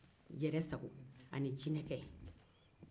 yɛrɛsago ni jinɛkɛ